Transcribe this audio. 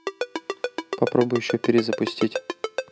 попробуйте еще перезапустить